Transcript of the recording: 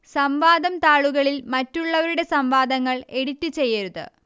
സംവാദം താളുകളിൽ മറ്റുള്ളവരുടെ സംവാദങ്ങൾ എഡിറ്റ് ചെയ്യരുത്